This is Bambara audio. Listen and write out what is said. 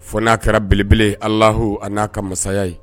Fo n'a kɛra belebele alilah a n'a ka masaya ye